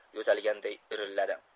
yo'talganday irilladi